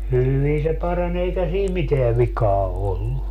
hyvin se parani eikä siinä mitään vikaa ollut